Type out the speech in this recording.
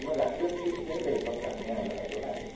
mà giải quyết sinh kế đời sống giảm nghèo là ở chỗ này